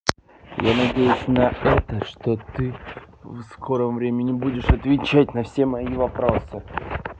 я надеюсь на это что ты в скором времени будешь отвечать на все мои вопросы